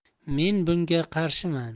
men bunga qarshiman